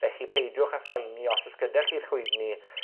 Felly, peidiwch â phoeni os o's gyda chi llwydni